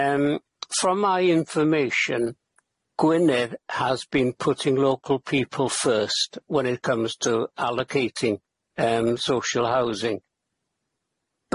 Yym from my information Gwynedd has been putting local people first when it comes to allocating yym social housing.